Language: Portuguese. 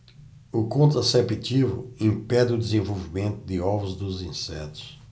o contraceptivo impede o desenvolvimento de ovos dos insetos